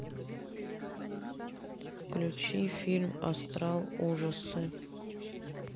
включи фильм астрал ужасы